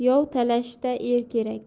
yov talashda er kerak